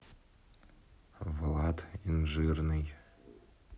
влад инжирный